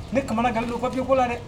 Ne kamana gannen don papier ko la dɛ